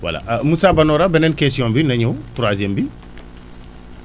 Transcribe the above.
voilà ah Moussa Banora beneen question bi na ñëw troisième bi